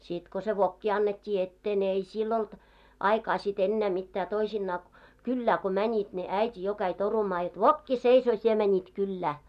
sitten kun se vokki annettiin eteen ne ei sillä ollut aikaa sitten enää mitään toisinaan kylään kun menivät ne äiti jo kävi torumaan jotta vokki seisoo sinä menit kylään